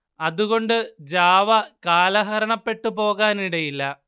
അതുകൊണ്ട് ജാവ കാലഹരണപ്പെട്ട് പോകാനിടയില്ല